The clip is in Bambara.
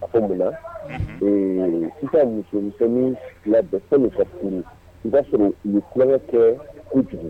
A ko n muso na sɔrɔ tulon kɛ ku kojugu